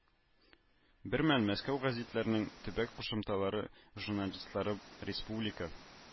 Бермәл Мәскәү гәзитләренең төбәк кушымталары журналистлары республика